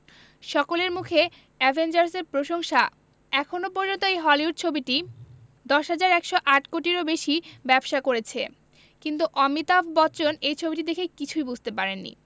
সকলের মুখে অ্যাভেঞ্জার্স এর প্রশংসা এখনও পর্যন্ত এই হলিউড ছবিটি ১০১০৮ কোটিরও বেশি ব্যবসা করেছে কিন্তু অমিতাভ বচ্চন এই ছবিটি দেখে কিছুই বুঝতে পারেননি